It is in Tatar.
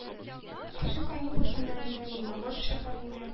Көзге каникул көннәрендә Лениногорск шәһәрендә